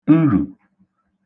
nrù